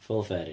Full fairy